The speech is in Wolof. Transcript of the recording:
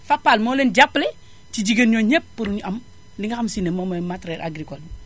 Fappal moo leen jàppale ci jigéen ñooñu ñépp pour ñu am li nga xam ne sii moom mooy matériels agricoles